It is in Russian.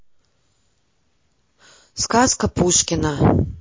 сказка пушкина